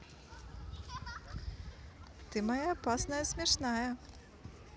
ты моя опасная смешная